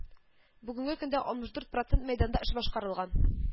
Бүгенге көндә алтмыш дүрт процент мәйданда эш башкарылган